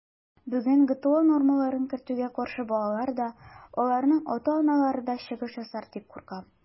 Бүген ГТО нормаларын кертүгә каршы балалар да, аларның ата-аналары да чыгыш ясар дип куркам.